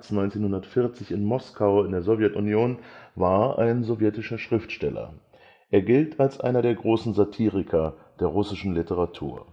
1940 in Moskau, Sowjetunion) war ein sowjetischer Schriftsteller. Er gilt als einer der großen Satiriker der russischen Literatur